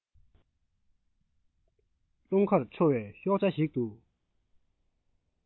རླུང ཁར འཕྱོ བའི ཤོག བྱ ཞིག ཏུ